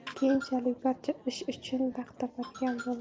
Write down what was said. keyinchalik barcha ish uchun vaqt topadigan bo'ldi